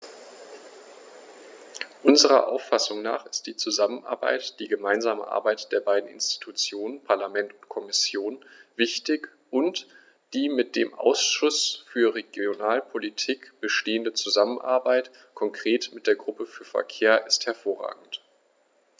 Unserer Auffassung nach ist die Zusammenarbeit, die gemeinsame Arbeit der beiden Institutionen - Parlament und Kommission - wichtig, und die mit dem Ausschuss für Regionalpolitik bestehende Zusammenarbeit, konkret mit der Gruppe für Verkehr, ist hervorragend.